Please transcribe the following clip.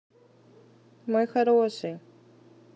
мой хороший